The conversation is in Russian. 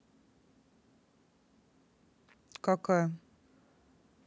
какая